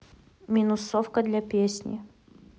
минусовка для песни